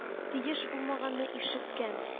Тиеш булмаганны ишеткән